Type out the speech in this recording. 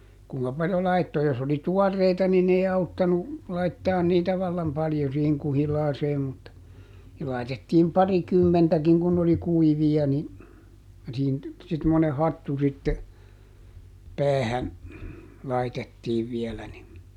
kuinka paljon laittoi jos oli tuoreita niin ei auttanut laittaa niitä vallan paljon siihen kuhilaaseen mutta siihen laitettiin parikymmentäkin kun ne oli kuivia niin siihen sitten semmoinen hattu sitten päähän laitettiin vielä niin